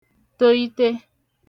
toite